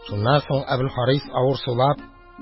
Шуннан соң Әбелхарис, авыр сулап